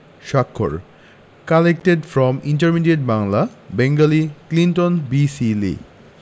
স্বাক্ষর collected from intermediate Bangla Bengali Clinton B Seely